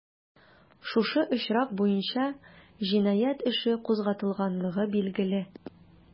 Шушы очрак буенча җинаять эше кузгатылганлыгы билгеле.